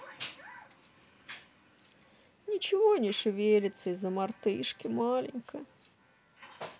ничего не шевелится из за мартышки маленькая